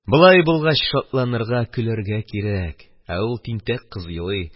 Китик, җанкисәгем! Болай булгач, шатланырга, көләргә кирәк, ә ул, тинтәк кыз, елый.